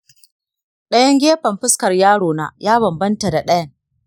ɗayan gefen fuskar yaro na ya bambanta da ɗayan.